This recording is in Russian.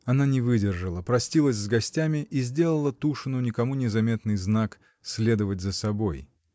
Она не выдержала, простилась с гостями и сделала Тушину никому не заметный знак — следовать за собой.